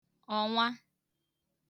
ọ̀nwa